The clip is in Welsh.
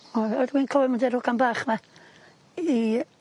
O yy dw'n cofio mynd â'r ogan bach 'ma i